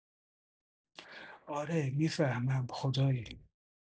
اره می‌فهمم خدایی